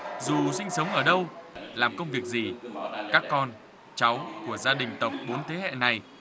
dù sinh sống ở đâu làm công việc gì các con cháu của gia đình tộc bốn thế hệ này